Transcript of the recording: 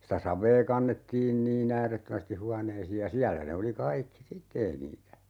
sitä savea kannettiin niin äärettömästi huoneisiin ja siellä ne oli kaikki sitten ei niitä